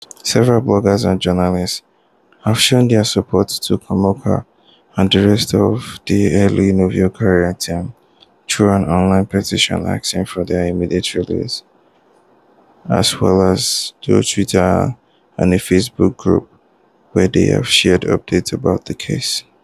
Several bloggers and journalists have shown their support to Kouamouo and the rest of the Le Nouveau Courrier team through an online petition asking for their immediate release, as well as through Twitter and a Facebook group where they have shared updates about the case.